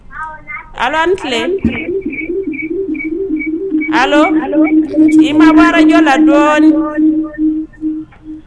Ala ni tile i mabaajɔ la dɔɔnin